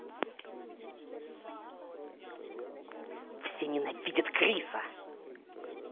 все ненавидят криса